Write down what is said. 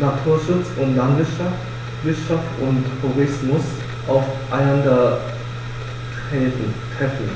Naturschutz und Landwirtschaft, Wirtschaft und Tourismus aufeinandertreffen.